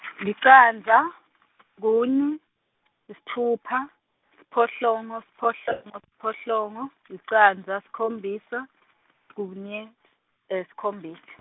licandza, kune, sitfupha, siphohlongo, siphohlongo, siphohlongo, licandza sikhombisa, kunye, sikhombisa.